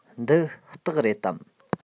འདི སྟག རེད དམ